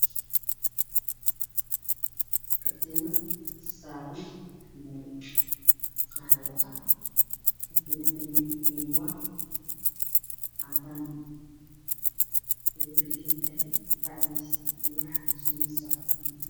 Waa kaina saaran miis